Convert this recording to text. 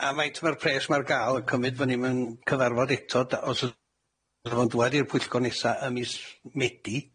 Am faint ma'r pres 'ma ar ga'l? Yn cymyd bo' ni'm yn cyfarfod eto da- os yy fydda fo'n dwad i'r pwyllgor nesa ym mis Medi,